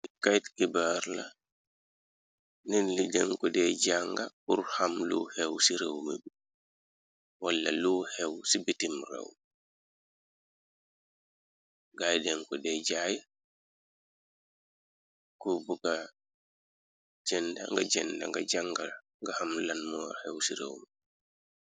Kyte gibaar la nen li den ku dey jànga ur xam lu xew ci réew mi bu wala lu xew ci bitim rew gaay den ku dey jaay ku bu ga jn nga jend nga jàngal nga xam lan mo xew ci réew mi.